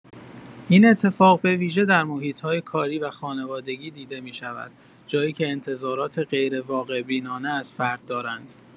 این اتفاق به‌ویژه در محیط‌های کاری و خانوادگی دیده می‌شود، جایی که انتظارات غیرواقع‌بینانه از فرد دارند.